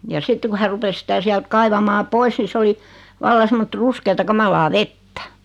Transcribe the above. ja sitten kun hän rupesi sitä sieltä kaivamaan pois niin se oli vallan semmoista ruskeaa kamalaa vettä